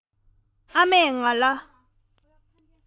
ཨ མས ང ལ